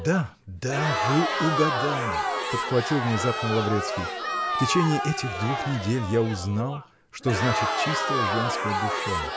-- Да, да, вы угадали, -- подхватил внезапно Лаврецкий, -- в течение этих двух недель я узнал, что значит чистая женская душа,